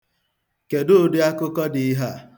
Kedụ ụdị akụkọ dị ihe a?